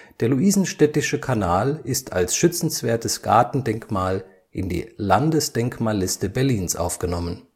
Der Luisenstädtische Kanal ist als schützenswertes Gartendenkmal in die Landesdenkmalliste Berlins aufgenommen